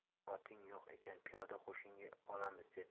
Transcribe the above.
oting yo'q ekan piyoda qo'shinga olamiz dedi